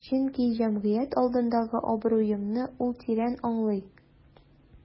Чөнки җәмгыять алдындагы абруемны ул тирән аңлый.